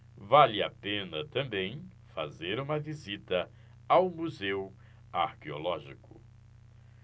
vale a pena também fazer uma visita ao museu arqueológico